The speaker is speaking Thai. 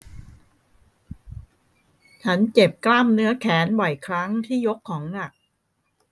ฉันเจ็บกล้ามเนื้อแขนบ่อยครั้งที่ยกของหนัก